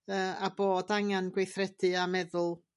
Yy a bod angan gweithredu a meddwl